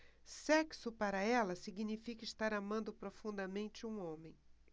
sexo para ela significa estar amando profundamente um homem